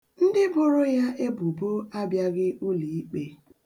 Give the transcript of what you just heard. Ndị boro ya ebubo abịaghị ụlọikpe.